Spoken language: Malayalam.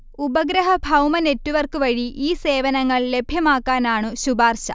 ഉപഗ്രഹ ഭൗമ നെറ്റ്വർക്ക് വഴി ഈ സേവനങ്ങൾ ലഭ്യമാക്കാനാണു ശുപാർശ